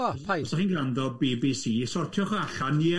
Os ydych chi'n gwrando BBC, sortiwch o allan, ie?